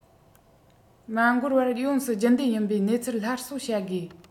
མ འགོར བར ཡོངས སུ རྒྱུན ལྡན ཡིན པའི གནས ཚུལ སླར གསོ བྱ དགོས